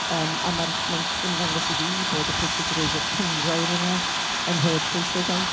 yym a ma'r mae'n ymddangos i fi bod y pwysigrwydd y cynghrair yna yn hollbwysig ond...